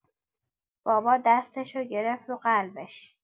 بابا دستشو گرفت رو قلبش